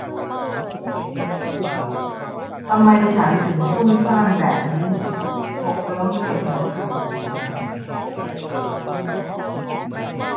ทำไมฉันถึงซุ่มซ่ามแบบนี้หกล้มเจ็บหัวเข่าอีกแล้ว